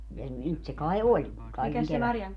ja nyt se kai oli kaiken kevättä